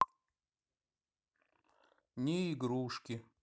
не игрушки